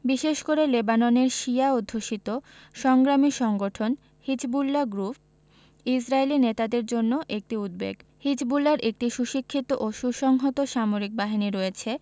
বিশেষ করে লেবাননের শিয়া অধ্যুষিত সংগ্রামী সংগঠন হিজবুল্লাহ গ্রুপ ইসরায়েলি নেতাদের জন্য একটি উদ্বেগ হিজবুল্লাহর একটি সুশিক্ষিত ও সুসংহত সামরিক বাহিনী রয়েছে